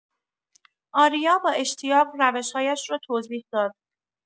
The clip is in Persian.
آریا با اشتیاق روش‌هایش را توضیح داد.